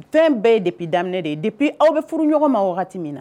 Fɛn bɛɛ ye depuis daminɛ de ye depuis aw bɛ furu ɲɔgɔn ma wagati min na.